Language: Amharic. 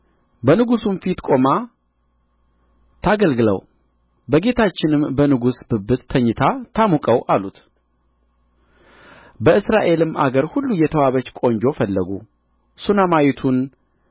በንጉሡም ፊት ቆማ ታገልግለው በጌታችንም በንጉሡ ብብት ተኝታ ታሙቀው አሉት በእስራኤልም አገር ሁሉ የተዋበች ቈንጆ ፈለጉ ሱነማይቱን